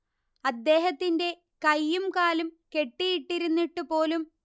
അദ്ദേഹത്തിന്റെ കൈയും കാലും കെട്ടിയിട്ടിരുന്നിട്ടുപോലും